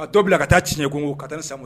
Ka dɔw bila ka taa ciɲɛkun ka taa ni sa